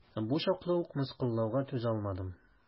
Бу чаклы ук мыскыллауга түзалмадым.